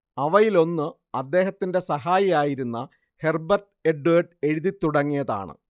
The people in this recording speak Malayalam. അവയിലൊന്ന് അദ്ദേഹത്തിന്റെ സഹായിയായിരുന്ന ഹെർബെർട്ട് എഡ്വേഡ്സ് എഴുതിത്തുടങ്ങിയതാണ്